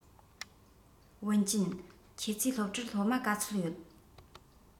ཝུན ཅུན ཁྱོད ཚོའི སློབ གྲྭར སློབ མ ག ཚོད ཡོད